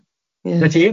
'Na ti.